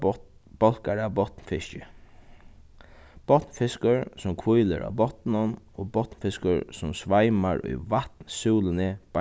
bólkar av botnfiski botnfiskur sum hvílir á botninum og botnfiskur sum sveimar í vatnsúluni